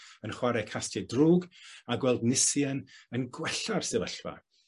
yn chware castie drwg a gweld Nisien yn gwella'r sefyllfa.